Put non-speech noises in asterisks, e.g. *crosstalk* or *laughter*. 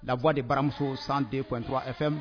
La voix de baramousso 102.3 FM *music*